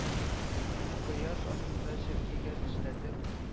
Кояш астында, черкигә тешләтеп,